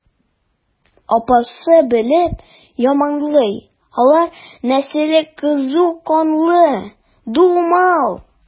Апасы белеп яманлый: алар нәселе кызу канлы, дуамал.